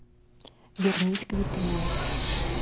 вернись к витрине